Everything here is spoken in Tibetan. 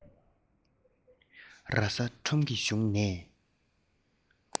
ར ས ཁྲོམ གྱི གཞུང ནས